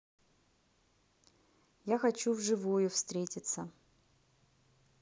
я хочу вживую встретиться